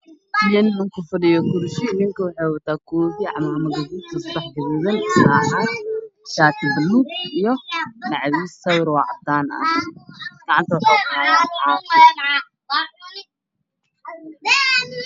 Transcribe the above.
Nin ku fadhiyo kursi wuxuu wataa rata caddaalad madowga koofid madowga saacad jaalle ah yaallo iyo macawis sabar ah oo cadaanna